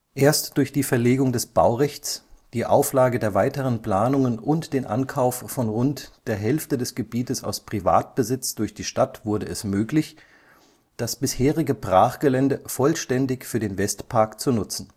Erst durch die Verlegung des Baurechts, die Aufgabe der weiteren Planungen und den Ankauf von rund der Hälfte des Gebietes aus Privatbesitz durch die Stadt wurde es möglich, das bisherige Brachgelände vollständig für den Westpark zu nutzen